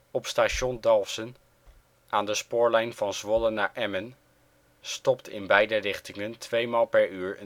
Op Station Dalfsen aan de spoorlijn Zwolle-Emmen stopt in beide richtingen tweemaal per uur